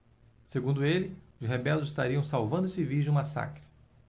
segundo ele os rebeldes estariam salvando os civis de um massacre